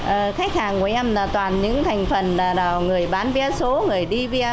khách hàng của em là toàn những thành phần nào nào người bán vé số người đi ve